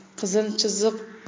qizil chiziqlar